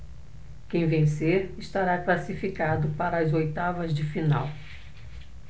quem vencer estará classificado para as oitavas de final